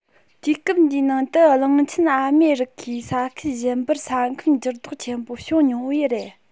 དུས སྐབས འདིའི ནང དུ གླིང ཆེན ཨ མེ རི ཁའི ས ཁུལ གཞན པར ས ཁམས འགྱུར ལྡོག ཆེན པོ བྱུང མྱོང བས རེད